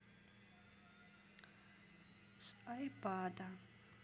с айпада